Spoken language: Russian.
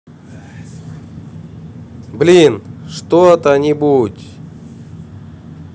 блин что то нибудь